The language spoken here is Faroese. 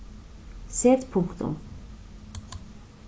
set punktum